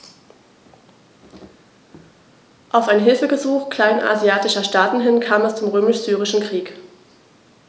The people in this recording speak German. Auf ein Hilfegesuch kleinasiatischer Staaten hin kam es zum Römisch-Syrischen Krieg.